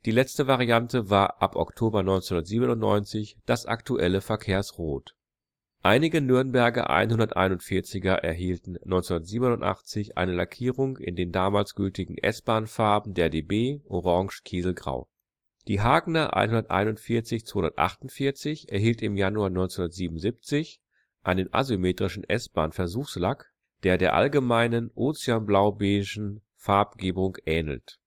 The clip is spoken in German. Letzte Variante war ab Oktober 1997 das aktuelle verkehrsrot. Einige Nürnberger 141er erhielten 1987 eine Lackierung in den damals gültigen S-Bahnfarben der DB orange-kieselgrau. Die Hagener 141 248 erhielt im Januar 1977 einen asymmetrischen S-Bahn-Versuchslack, der der allgemeinen ozeanblau-beigen Farbgebung ähnelt